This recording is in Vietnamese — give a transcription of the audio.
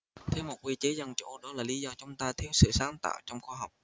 thiếu một quy chế dân chủ đó là lý do chúng ta thiếu sự sáng tạo trong khoa học